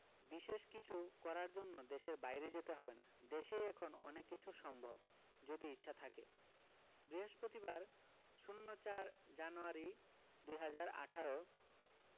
বিশেষ কিছু করার জন্য দেশের বাইরে যেতে হবে না দেশেই এখন অনেক কিছু সম্ভব যদি ইচ্ছা থাকে বৃহস্পতিবার ০৪ জানুয়ারি ২০১৮